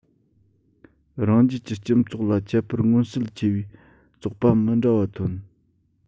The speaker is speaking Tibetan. རང རྒྱལ གྱི སྤྱི ཚོགས ལ ཁྱད པར མངོན གསལ ཆེ བའི ཚོགས པ མི འདྲ བ ཐོན